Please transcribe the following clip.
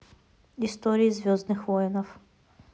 истории звездных воинов